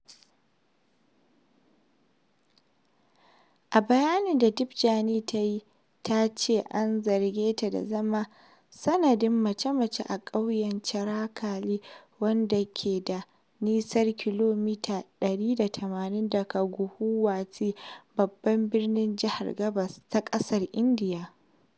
A bayanin da Debjani ta yi ta ce an zarge ta da zama sanadin mace-mace a ƙauyen Cherekali wanda ke da nisan kilomita 180 daga Guhuwati, babban birnin jihar gabas ta ƙasar Indiya.